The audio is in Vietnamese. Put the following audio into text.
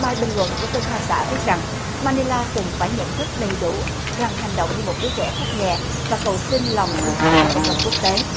bài bình luận của tân hoa xã viết rằng ma ni la cần phải nhận thức đầy đủ rằng hành động như một đứa trẻ khóc nhè và cầu xin lòng thương hại của cộng đồng quốc tế